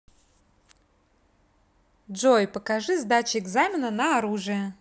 джой покажи сдача экзамена на оружие